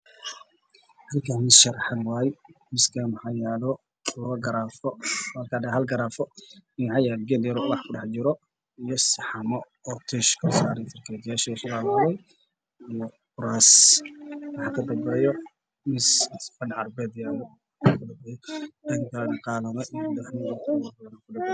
Waa miis weyn waxaa ku wareegsan kuraas miiska waxaa saran saxamaan